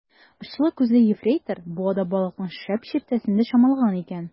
Очлы күзле ефрейтор буада балыкның шәп чиертәсен дә чамалаган икән.